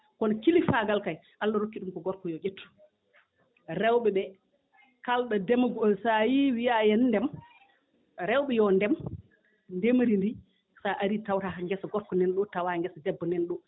kono kilifaagal kay Allah rokki ɗum ko gorko yo ƴettu rewɓe ɓee kala ɗo ndemo so a yiyii wiyaa yo en ndem rewɓe yo ndem ndemri ndii so a arii tawaraa ko gesa gorko nan ɗoo tawaa ngesa debbo nan ɗoo